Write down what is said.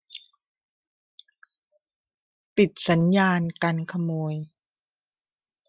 ปิดสัญญาณกันขโมย